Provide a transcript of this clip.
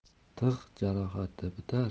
tig' jarohati bitar